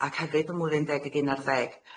ac hefyd ym mlwyddyn deg ac un ar ddeg.